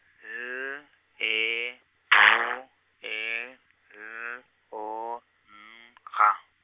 L E P E N O N G.